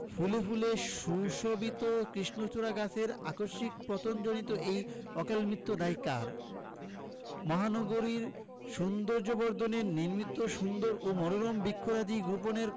ফুলে ফুলে সুশোভিত কৃষ্ণচূড়া গাছের আকস্মিক পতনজনিত এই অকালমৃত্যুর দায় কার মহানগরীর সৌন্দর্যবর্ধনের নিমিত্ত সুন্দর ও মনোরম বৃক্ষরাজি রোপণের